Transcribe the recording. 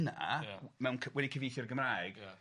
mewn cy- wedi cyfieithu i'r Gymraeg... Ia...